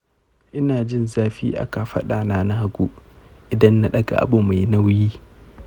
ina jin zafi a kafaɗa na na hagu idan na ɗaga abu mai nauyi